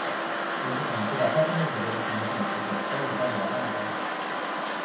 일부 장치가 사진을 제대로 전하지 못하고 있어 유감이라고 한다